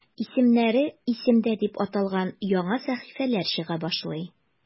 "исемнәре – исемдә" дип аталган яңа сәхифәләр чыга башлый.